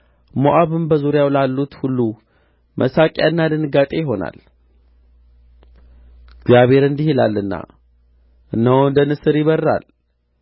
ሞዓብም በዙሪያው ላሉት ሁሉ መሳቂያና ድንጋጤ ይሆናል እግዚአብሔር እንዲህ ይላልና እነሆ እንደ ንስር ይበርራል